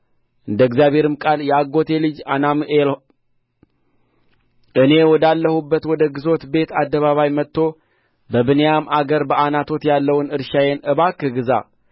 እንደ እግዚአብሔርም ቃል የአጐቴ ልጅ አናምኤል እኔ ወዳለሁበት ወደ ግዞቱ ቤት አደባባይ መጥቶ በብንያም አገር በዓናቶት ያለውን እርሻዬን እባክህ ግዛ